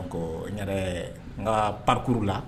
Ko n yɛrɛ n ka parikkuru la